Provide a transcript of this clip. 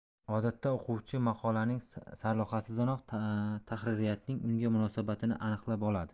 odatda o'quvchi maqolaning sarlavhasidanoq tahririyatning unga munosabatini aniqlab oladi